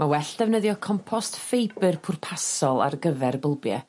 ma' well defnyddio compost ffeibyr pwrpasol ar gyfer y bylbie.